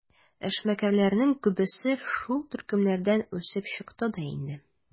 Эшмәкәрләрнең күбесе шул төркемнәрдән үсеп чыкты да инде.